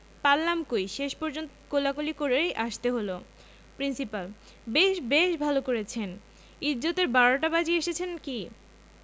পারলাম কই শেষ পর্যন্ত কোলাকুলি করেই আসতে হলো প্রিন্সিপাল বেশ বেশ ভালো করেছেন ইজ্জতের বারোটা বাজিয়ে এসেছেন কি